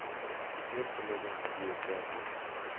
er tilagan yerda aziz